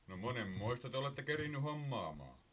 no monenmoista te olette kerinnyt hommaamaan